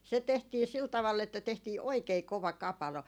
se tehtiin sillä tavalla että tehtiin oikein kova kapalo